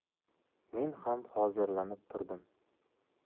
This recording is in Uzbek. men ham hozirlanib turdim